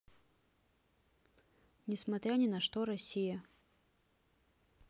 несмотря ни на что россия